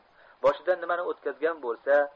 boshidan nimani o'tkazgan bo'lsa